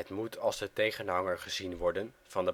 moet als de tegenhanger gezien worden van